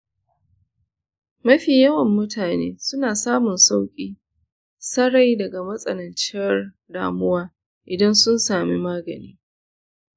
mafi yawan mutane suna samun sauƙi sarai daga matsananciyar damuwa idan sun sami magani.